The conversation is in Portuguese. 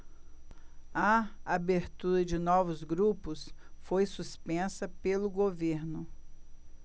a abertura de novos grupos foi suspensa pelo governo